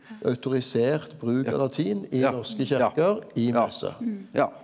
autorisert bruk av latin i norske kyrkjer i messe.